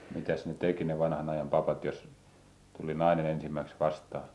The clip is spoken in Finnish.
mitäs ne teki ne vanhan ajan papat jos tuli nainen ensimmäiseksi vastaan